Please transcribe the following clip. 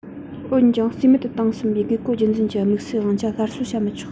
འོན ཀྱང རྩིས མེད དུ བཏང ཟིན པའི བཀས བཀོད རྒྱུད འཛིན གྱི དམིགས བསལ དབང ཆ སླར གསོ བྱ མི ཆོག